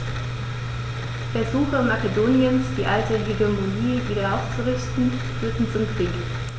Versuche Makedoniens, die alte Hegemonie wieder aufzurichten, führten zum Krieg.